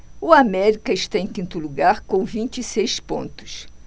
o américa está em quinto lugar com vinte e seis pontos